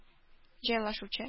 Җайлашучы